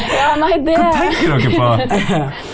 ja nei det .